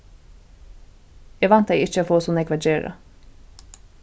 eg væntaði ikki at fáa so nógv at gera